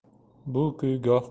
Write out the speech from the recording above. bu kuy goh